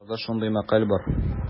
Татарларда шундый мәкаль бар.